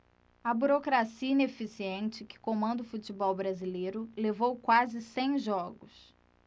a burocracia ineficiente que comanda o futebol brasileiro levou quase cem jogos